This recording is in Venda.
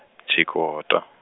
Tshikota.